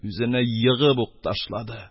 Үзене егып ук ташлады.